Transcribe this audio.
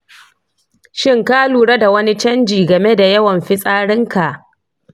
shin ka lura da wani canji game da yawan fitsarinka?